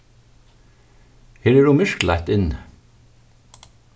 her er ov myrkleitt inni